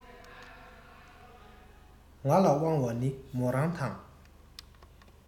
ང ལ དབང བ ནི མོ རང དང